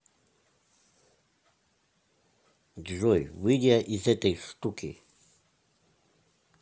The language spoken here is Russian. джой выйди из этой штуки